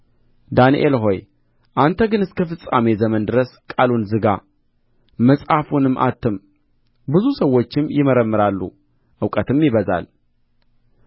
ዳንኤል ሆይ አንተ ግን እስከ ፍጻሜ ዘመን ድረስ ቃሉን ዝጋ መጽሐፉንም አትም ብዙ ሰዎች ይመረምራሉ እውቀትም ይበዛል